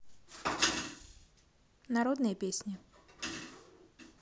народные песни